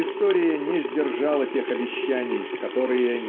История не сдержала тех обещаний которые